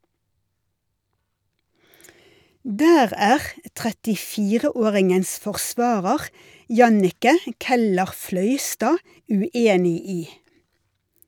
Der er 34-åringens forsvarer Jannicke Keller-Fløystad uenig i.